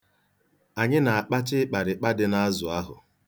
Anyị na-akpacha ịkparịkpa dị n'azụ ahụ.